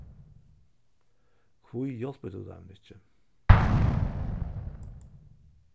hví hjálpir tú teimum ikki